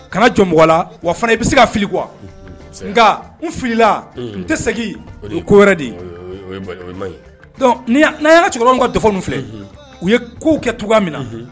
Kana jɔn mɔgɔ la wa fana i bɛ se ka fili kuwa nka n filila n tɛ segin ko wɛrɛ de'a cɛkɔrɔba ka dɔ filɛ u ye kow kɛ tu min na